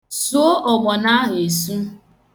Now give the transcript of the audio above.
Suo ọgbọnọ ahụ esu.